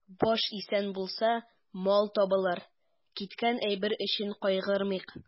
Баш исән булса, мал табылыр, киткән әйбер өчен кайгырмыйк.